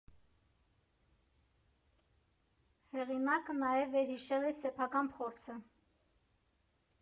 (Հեղինակը նաև վերհիշել է սեփական փորձը)։